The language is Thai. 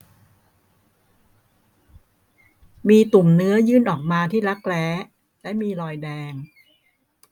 มีตุ่มเนื้อยื่นออกมาที่รักแร้และมีรอยแดง